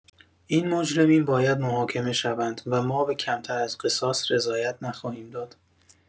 این مجرمین باید محاکمه شوند و ما به کمتر از قصاص رضایت نخواهیم داد.